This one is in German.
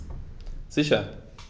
Sicher.